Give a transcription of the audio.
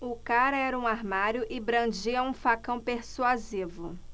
o cara era um armário e brandia um facão persuasivo